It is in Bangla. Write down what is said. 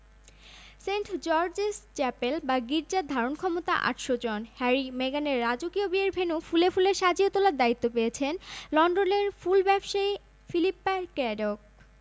সেন্ট জর্জ চ্যাপেলের দক্ষিণ দিকের দরজা দিয়ে প্রবেশ করবেন তাঁরা রাজপরিবারের সদস্যরা অনুষ্ঠান স্থলে সবশেষে হাজির হবেন